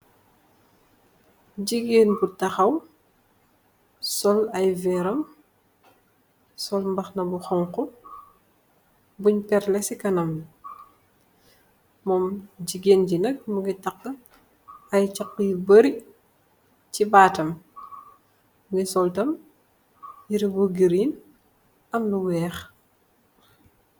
jigeen bu taxaw sol ay veeram sol mbaxna bu xonko buñ perle ci kanam moom jigéen jinag mungay taxx ay caq yu bari ci baatam mu soltam yire bu green am lu weex